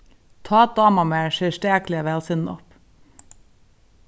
tá dámar mær serstakliga væl sinnop